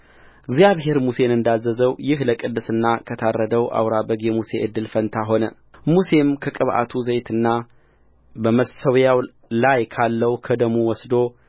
እግዚአብሔር ሙሴን እንዳዘዘው ይህ ለቅድስና ከታረደው አውራ በግ የሙሴ እድል ፈንታ ሆነሙሴም ከቅብዓቱ ዘይትና በመሠዊያው ላይ ካለው ከደሙ ወስዶ